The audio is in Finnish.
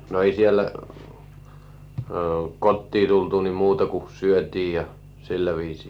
no ei siellä kotiin tultua niin muuta kuin syötiin ja sillä viisiin